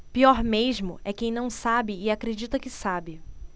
pior mesmo é quem não sabe e acredita que sabe